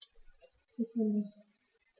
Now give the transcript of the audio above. Bitte nicht.